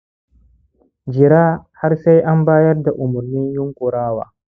jira har sai an bayar da umurnin yunƙurawa